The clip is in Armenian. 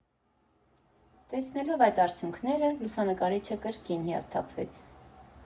Տեսնելով այդ արդյունքները՝ լուսանկարիչը կրկին հիասթափվեց։